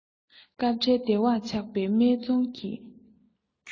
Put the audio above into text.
སྐབས འཕྲལ བདེ བར ཆགས པའི སྨད འཚོང གི ཁྱུ ཚོགས